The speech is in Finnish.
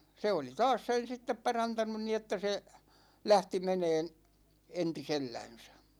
se oli taas sen sitten parantanut niin että se lähti menemään entisellänsä